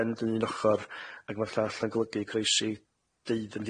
yn un ochor ag ma'r llall yn golygu croesi deudd- yn